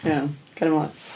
Iawn, caria mlaen.